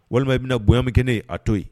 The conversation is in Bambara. Walima i bɛna bonyami kɛ a to yen